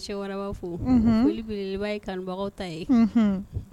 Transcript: Cɛraba fo foli kulubaliele ye kanubagaw ta ye